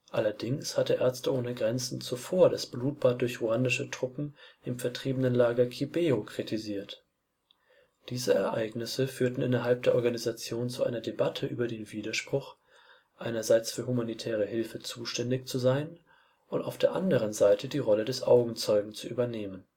Allerdings hatte Ärzte ohne Grenzen zuvor das Blutbad durch ruandische Truppen im Vertriebenenlager Kibeho kritisiert. Diese Ereignisse führten innerhalb der Organisation zu einer Debatte über den Widerspruch, einerseits für humanitäre Hilfe zuständig zu sein und auf der anderen Seite die Rolle des Augenzeugen zu übernehmen